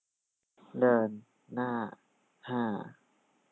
เดินหน้าห้า